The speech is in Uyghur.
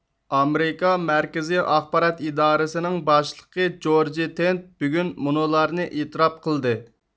ئامېرىكا مەركىزىي ئاخبارات ئىدارىسىنىڭ باشلىقى جورجى تېنىت بۈگۈن مۇنۇلارنى ئېتىراپ قىلدى